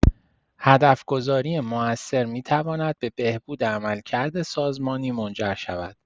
هدف‌گذاری موثر می‌تواند به بهبود عملکرد سازمانی منجر شود.